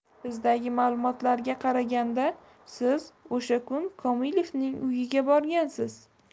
bizdagi ma'lumotlarga qaraganda siz o'sha kun komilovning uyiga borgansiz